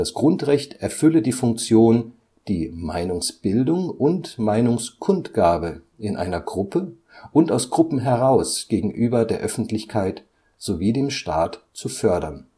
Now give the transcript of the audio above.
Grundrecht erfülle die Funktion, die Meinungsbildung und - Kundgabe in einer Gruppe und aus Gruppen heraus gegenüber der Öffentlichkeit sowie dem Staat zu fördern